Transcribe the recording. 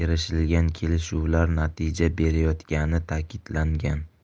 erishilgan kelishuvlar natija berayotgani ta'kidlangan